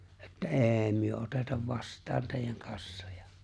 että ei me oteta vastaan teidän kassoja